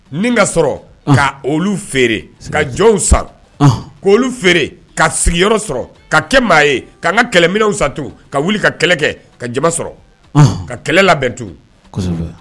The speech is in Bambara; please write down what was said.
Nin ka sɔrɔ ka olu feere ka jɔn san kolu feere ka sigiyɔrɔ sɔrɔ ka kɛ maa ye ka'an ka kɛlɛminw satu ka wuli ka kɛlɛ kɛ ka jama sɔrɔ ka kɛlɛ labɛntu